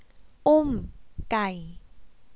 อุ้มไก่